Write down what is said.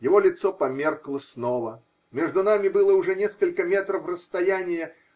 Его лицо померкло снова, между нами было уже несколько метров расстояния